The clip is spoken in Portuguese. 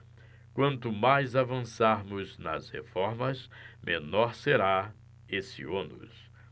quanto mais avançarmos nas reformas menor será esse ônus